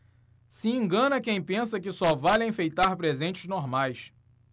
se engana quem pensa que só vale enfeitar presentes normais